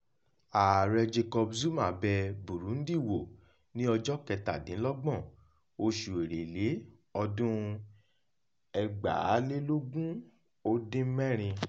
Ààrẹ Jacob Zuma bẹ Burundi wo ní 25, oṣù Èrèlé ọdún 2016.